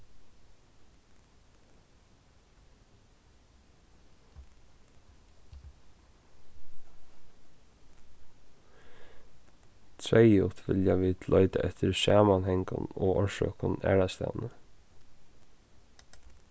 treyðugt vilja vit leita eftir samanhangum og orsøkum aðrastaðni